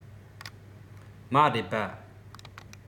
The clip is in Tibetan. མ རེད པ